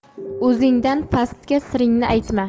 o'zingdan pastga siringni aytma